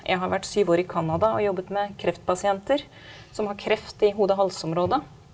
jeg har vært syv år i Canada og jobbet med kreftpasienter som har kreft i hode- og halsområdet.